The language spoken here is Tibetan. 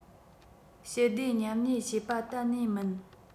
ཞི བདེ མཉམ གནས བྱེད པ གཏན ནས མིན